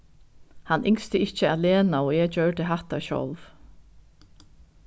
hann ynskti ikki at lena og eg gjørdu hatta sjálv